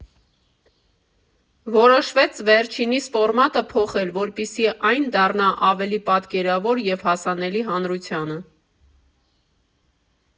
Որոշվեց վերջինիս ֆորմատը փոխել, որպեսզի այն դառնա ավելի պատկերավոր և հասանելի հանրությանը։